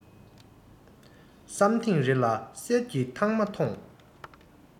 བསམ ཐེངས རེ ལ གསེར གྱི ཐང མ མཐོང